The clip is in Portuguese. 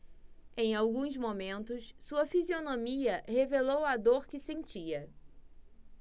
em alguns momentos sua fisionomia revelou a dor que sentia